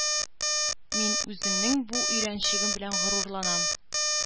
Мин үземнең бу өйрәнчегем белән горурланам.